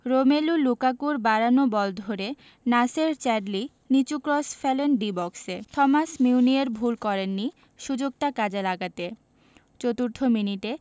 Romelu লুকাকুর বাড়ানো ball ধরে নাসের চ্যাডলি নিচু ক্রস ফেলেন ডি বক্সে থমাস মিউনিয়ের ভুল করেননি সুযোগটা কাজে লাগাতে চতুর্থ মিনিটে